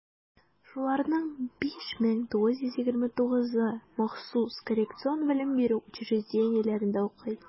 Шуларның 5929-ы махсус коррекцион белем бирү учреждениеләрендә укый.